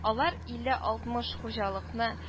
Алар илле-алтмыш хуҗалыкны